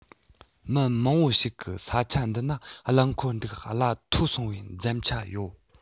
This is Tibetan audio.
མི མང པོ ཞིག གིས ས ཆ འདི ན རླངས འཁོར འདུག གླ མཐོ སོང བའི འཛེམ ཆ ཡོད